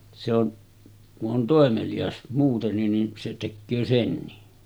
se on kun on toimelias muutenkin niin se tekee senkin